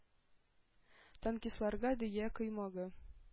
Танкистларга – дөя “коймагы”